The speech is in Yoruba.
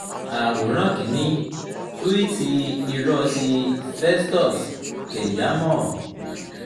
Àwòrán 1: Túwíìtì irọ́ ti Festus Keyamo